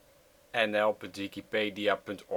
51° 44 ' NB 4° 36 ' OL